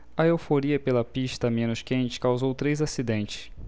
a euforia pela pista menos quente causou três incidentes